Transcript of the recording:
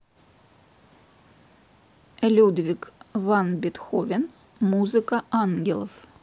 людвиг ван бетховен музыка ангелов